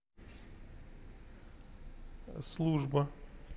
служба